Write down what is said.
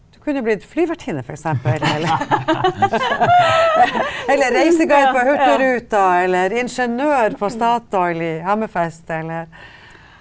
du kunne blitt flyvertinne for eksempel, eller reiseguide på hurtigruta eller ingeniør på Statoil i Hammerfest eller.